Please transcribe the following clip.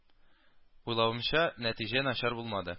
Уйлавымча, нәтиҗә начар булмады